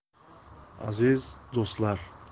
aziz do'stlar